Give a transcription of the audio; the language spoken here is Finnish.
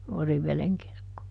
Oriveden kirkkoon